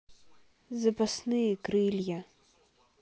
запасные крылья